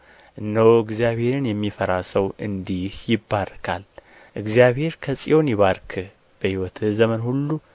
እነሆ እግዚአብሔርን የሚፈራ ሰው እንዲህ ይባረካል እግዚአብሔር ከጽዮን ይባርክህ በሕይወትህ ዘመን ሁሉ